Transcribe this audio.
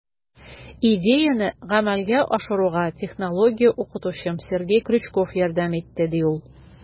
Идеяне гамәлгә ашыруга технология укытучым Сергей Крючков ярдәм итте, - ди ул.